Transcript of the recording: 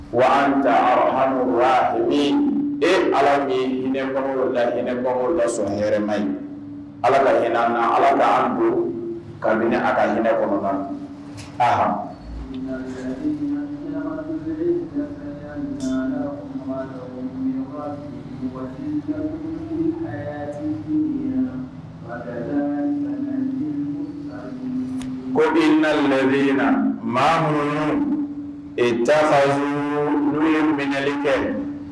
Wa taaraha min e ala min hinɛ la hinɛmɔgɔ la sɔn hɛrɛma ye ala la hinɛ na ala k bolo ka minɛ a ka hinɛ kɔnɔ na a ma ko i na maa muɲ i taa z n ye minɛli kɛ